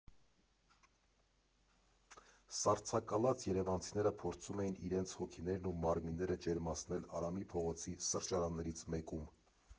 Սառցակալած երևանցիները փորձում էին իրենց հոգիներն ու մարմինները ջերմացնել Արամի փողոցի սրճարաններից մեկում։